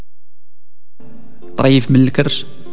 طيف من الكرش